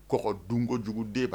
Kɔ dun kojugu den bba